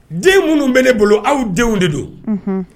Den minnu bɛ ne bolo aw denw de don